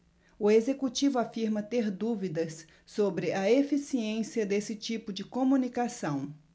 o executivo afirma ter dúvidas sobre a eficiência desse tipo de comunicação